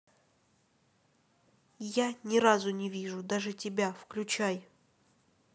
я не разу не вижу даже тебя включай